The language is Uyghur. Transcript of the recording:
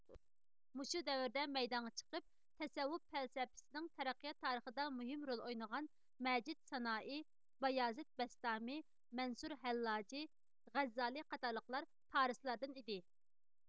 مۇشۇ دەۋردە مەيدانغا چىقىپ تەسەۋۋۇپ پەلسەپىسىنىڭ تەرەققىيات تارىخىدا مۇھىم رول ئوينىغان مەجىدسانائى بايازىد بەستامى مەنسۇرھەللاجى غەززالى قاتارلىقلار پارسلاردىن ئىدى